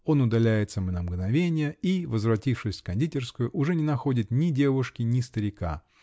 Он удаляется на мгновенье -- и, возвратившись в кондитерскую, уж не находит ни девушки, ни старика